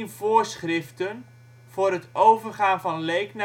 Voorschriften voor het overgaan van leek